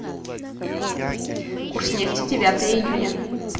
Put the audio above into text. курс нефти девятое июня